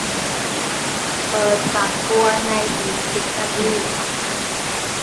เปิดฝักบัวในอีกสิบนาที